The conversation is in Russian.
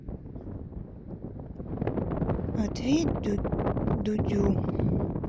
ответь дудю